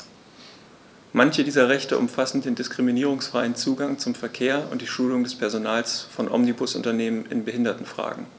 Manche dieser Rechte umfassen den diskriminierungsfreien Zugang zum Verkehr und die Schulung des Personals von Omnibusunternehmen in Behindertenfragen.